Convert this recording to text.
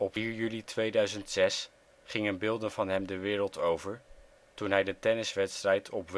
juli 2006 gingen beelden van hem de wereld over, toen hij de tenniswedstrijd op